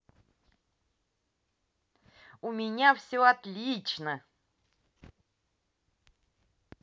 у меня все отлично